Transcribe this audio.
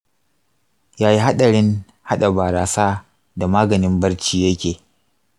yaya haɗarin haɗa barasa da maganin barci yake?